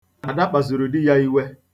Ada kpasuru di ya iwe.